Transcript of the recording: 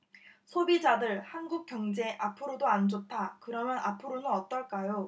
소비자들 한국 경제 앞으로도 안 좋다그러면 앞으로는 어떨까요